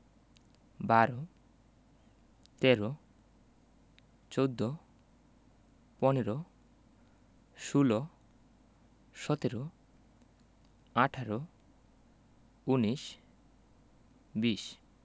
১২ - বারো ১৩ - তেরো ১৪ - চৌদ্দ ১৫ – পনেরো ১৬ - ষোল ১৭ - সতেরো ১৮ - আঠারো ১৯ - উনিশ ২০ - বিশ